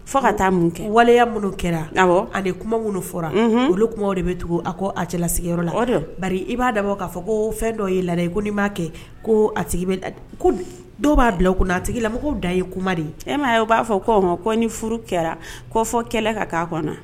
Fɔ ka taa mun kɛ waleya minnu kɛra ale ye kuma minnu fɔra olu kuma de bɛ tugu a ko a cɛlala sigiyɔrɔ la i b'a dabɔ k'a fɔ ko fɛn dɔ ye la ko n' m'a kɛ ko ko dɔw b'a du kunna tigila mɔgɔw da ye kuma de e o b'a fɔ' ko ni furu kɛra kɔ fɔ kɛlɛ ka'a kɔnɔna